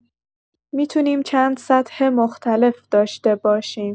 می‌تونیم چند سطح مختلف داشته باشیم.